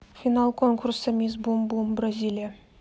финал конкурса мисс бум бум бразилия